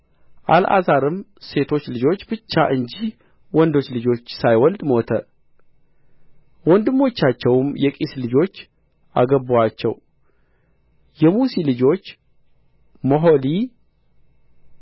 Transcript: አልዓዛርም ሴቶች ልጆች ብቻ እንጂ ወንዶች ልጆች ሳይወልድ ሞተ ወንድሞቻቸውም የቂስ ልጆች አገቡአቸው የሙሲ ልጆች ሞሖሊ